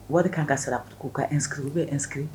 Wari kan ka sara k' kag u bɛ ng